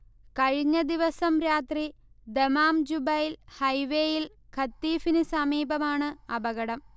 കഴിഞ്ഞദിവസം രാത്രി ദമാംജുബൈൽ ഹൈവേയിൽ ഖതീഫിന് സമീപമാണ് അപകടം